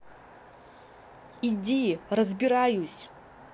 иди разбираюсь